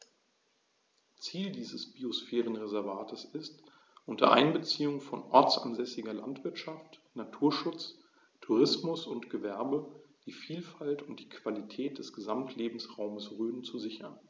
Ziel dieses Biosphärenreservates ist, unter Einbeziehung von ortsansässiger Landwirtschaft, Naturschutz, Tourismus und Gewerbe die Vielfalt und die Qualität des Gesamtlebensraumes Rhön zu sichern.